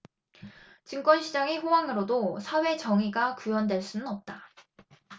증권 시장의 호황으로도 사회 정의가 구현될 수는 없다